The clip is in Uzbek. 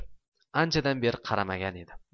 anchadan beri qaramagan edi